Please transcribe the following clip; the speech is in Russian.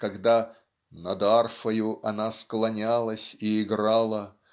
когда Над арфою она склонялась и играла.